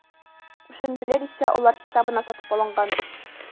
Үсентеләр исә алар хисабына сатып алынган.